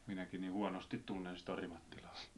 minäkin niin huonosti tunnen sitä Orimattilaa